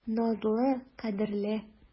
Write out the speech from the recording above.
Назлы, кадерле.